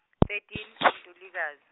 thirteen uNtulikazi.